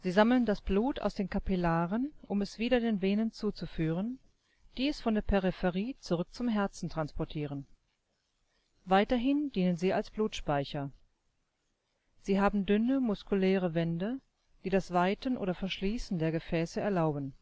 sammeln das Blut aus den Kapillaren, um es wieder den Venen zuzuführen, die es von der Peripherie zurück zum Herzen transportieren. Weiterhin dienen sie als Blutspeicher. Sie haben dünne, muskuläre Wände, die das Weiten oder Verschließen der Gefäße erlauben